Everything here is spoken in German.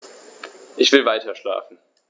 Ich will weiterschlafen.